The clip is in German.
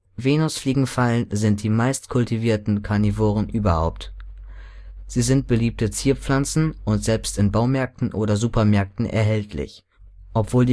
Venusfliegenfallen sind die meistkultivierten Karnivoren überhaupt, sie sind beliebte Zierpflanzen und selbst in Baumärkten oder Supermärkten erhältlich. Obwohl